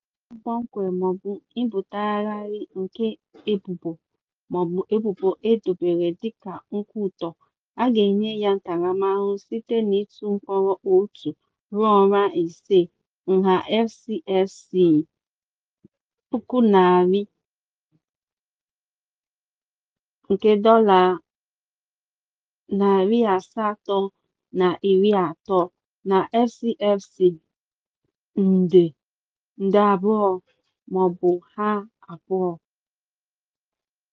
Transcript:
Mbipụta kpọmkwem maọbụ mbipụtagharị nke ebubo maọbụ ebubo e dobere dịka nkwutọ, a ga-enye ya ntaramahụhụ site n'ịtụ mkpọrọ otu (01) ruo ọnwa isii (06), nha FCFA 500,000 (USD 830) na FCFA 2,000,000 (USD 3,327), maọbụ ha abụọ.